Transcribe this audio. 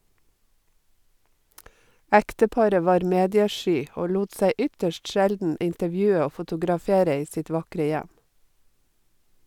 Ekteparet var mediesky og lot seg ytterst sjelden intervjue og fotografere i sitt vakre hjem.